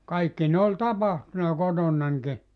kaikki ne oli tapahtunut kotonanikin